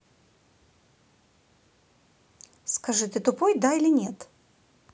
скажи ты тупой да или нет